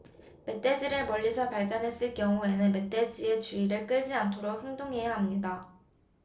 멧돼지를 멀리서 발견했을 경우에는 멧돼지의 주의를 끌지 않도록 행동해야 합니다